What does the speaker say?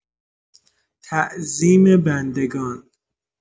تعظیم بندگان